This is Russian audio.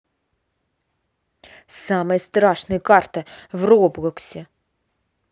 самая страшная карта в роблоксе